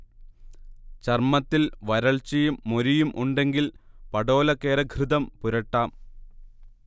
ചർമത്തിൽ വരൾച്ചയും മൊരിയും ഉണ്ടെങ്കിൽ പടോലകേരഘൃതം പുരട്ടാം